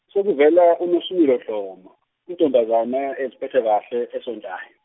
sekuvela uNosimilo Dhlomo intombazane eziphethe kahle esontayo.